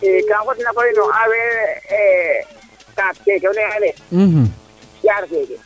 i ka fodna koy no affaire kaaf kene o ne'a ne ƴaar ke